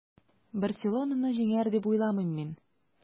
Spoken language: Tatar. “барселона”ны җиңәр, дип уйламыйм мин.